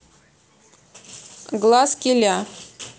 глазки ля